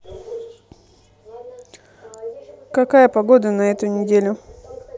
какая погода на эту неделю